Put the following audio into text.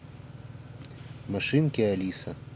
машинки алиса